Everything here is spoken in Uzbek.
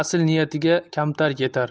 asl niyatiga kamtar yetar